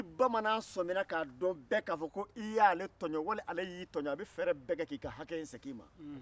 ni bamanan sɔmina ka dɔn bɛɛ k'a fɔ k'i y'a tɔɲɔ wali ale y'i tɔɲɔ a bɛ fɛɛrɛ bɛɛ kɛ k'i ka hakɛ segin i ma